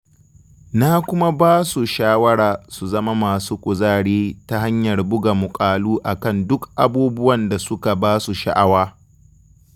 Na kuma ba su shawarar su zama masu kuzari ta hanyar buga muƙalu a kan duk abubuwan da suka ba su sha'awa.